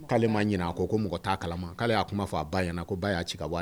Kala ɲɛna